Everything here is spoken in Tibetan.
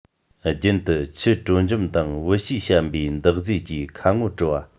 རྒྱུན དུ ཆུ དྲོ འཇམ དང བུལ གཤིས ཞན པའི འདག རྫས ཀྱིས ཁ ངོ བཀྲུ བ